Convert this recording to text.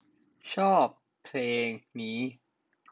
ชอบเพลงนี้